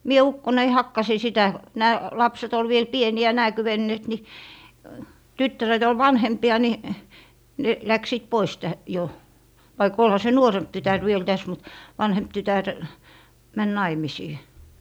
minä ukkoineni hakkasin sitä nämä lapset oli vielä pieniä nämä kyenneet niin tyttäret oli vanhempia niin ne lähtivät pois - jo vaikka olihan se nuorempi tytär vielä tässä mutta vanhempi tytär meni naimisiin